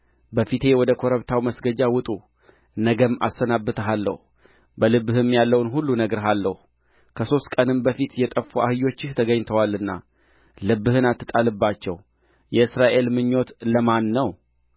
በፊቴ ወደ ኮረብታው መስገጃ ውጡ ነገም አሰናብትሃለሁ በልብህም ያለውን ሁሉ እነግርሃለሁ ከሦስት ቀንም በፊት የጠፉ አህዮችህ ተገኝተዋልና ልብህን አትጣልባቸው የእስራኤል ምኞት ለማን ነው